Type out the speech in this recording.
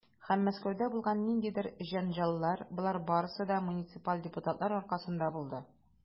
Һәм Мәскәүдә булган ниндидер җәнҗаллар, - болар барысы да муниципаль депутатлар аркасында булды.